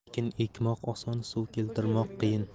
ekin ekmoq oson suv keltirmoq qiyin